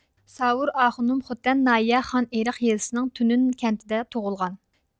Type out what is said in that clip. ساۋۇر ئاخۇنۇم خوتەن ناھىيە خانئېرىق يېزىسىنىڭ تۈنۈن كەنتىدە تۇغۇلغان